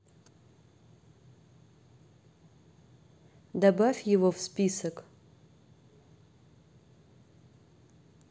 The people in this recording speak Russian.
добавить его в список